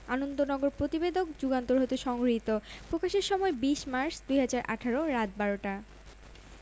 ইত্তেফাক এর online desk হতে সংগৃহীত প্রকাশের সময় ১৪মে ২০১৮ বিকেল ৪টা ২৬ মিনিট